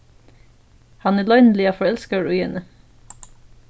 hann er loyniliga forelskaður í henni